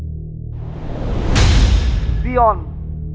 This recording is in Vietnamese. gi on